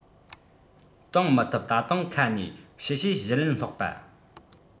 གཏོང མི ཐུབ ད དུང ཁ ནས གཤེ གཤེ གཞུ ལན སློག པ